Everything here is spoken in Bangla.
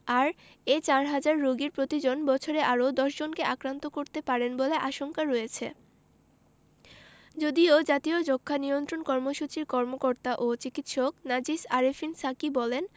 আর এ চারহাজার রোগীর প্রতিজন বছরে আরও ১০ জনকে আক্রান্ত করতে পারেন বলে আশঙ্কা রয়েছে যদিও জাতীয় যক্ষ্মা নিয়ন্ত্রণ কর্মসূচির কর্মকর্তা ও চিকিৎসক নাজিস আরেফিন সাকী বলেন